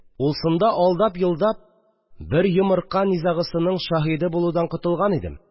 Улсында алдап-йолдап бер йомырка низагысының шаһиде булудан котылган идем